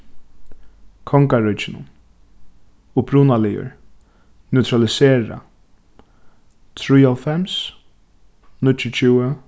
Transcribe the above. kongaríkinum upprunaligur neutralisera trýoghálvfems níggjuogtjúgu